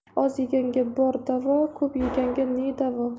oz yeganga bor davo ko'p yeganga ne davo